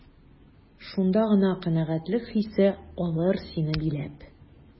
Шунда гына канәгатьлек хисе алыр сине биләп.